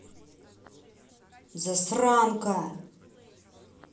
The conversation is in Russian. засранка